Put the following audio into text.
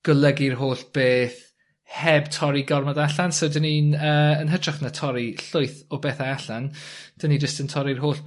golygu'r holl beth heb torri gormod allan so 'dyn ni'n yy, yn hytrach na torri llwyth o bethau allan 'dyn ni jys t yn torri'r holl